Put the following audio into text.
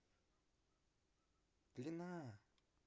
блина